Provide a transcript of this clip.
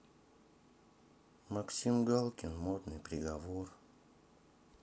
максим галкин модный приговор